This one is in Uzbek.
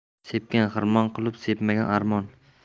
sepgan xirmon qilur sepmagan armon